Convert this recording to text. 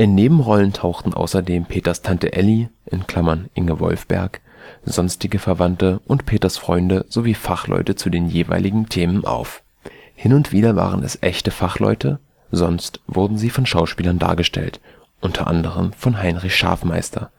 Nebenrollen tauchten außerdem Peters Tante Elli (Inge Wolffberg), sonstige Verwandte und Peters Freunde sowie Fachleute zu den jeweiligen Themen auf. Hin und wieder waren es echte Fachleute, sonst wurden sie von Schauspielern dargestellt, u. a. von Heinrich Schafmeister